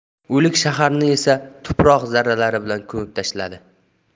o'lik shaharni esa tuproq zarralari bilan ko'mib tashladi